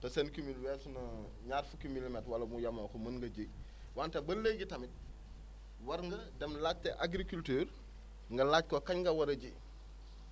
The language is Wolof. te seen cumul weesu na ñaar fukki milimètres wala bu yemoo ko mun nga jiwante ba léegi tamit war nga dem laajte agriculture nga laaj ko kañ nga war a ji